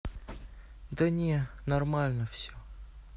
да не нормально все